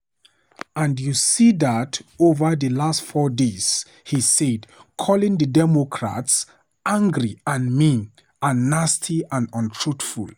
"And you see that over the last four days," he said, calling the Democrats "angry and mean and nasty and untruthful."